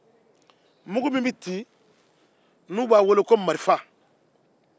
mugu min bɛ ci n'u b'a weele ko marifa